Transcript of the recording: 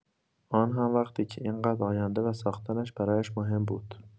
آن هم وقتی که این‌قدر آینده و ساختنش برایش مهم بود؟